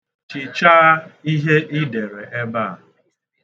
Chichaa ihe i dere ebe a.